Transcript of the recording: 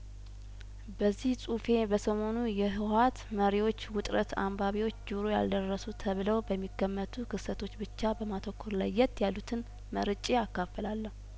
በዚህ ጹሁፌ በሰሞኑ የህወሀት መሪዎች ውጥረት አንባቢዎች ጆሮ ያልደረሱ ተብለው በሚገመቱ ክስተቶች ብቻ በማተኮር ለየት ያሉትን መርጬ አካፍላለሁ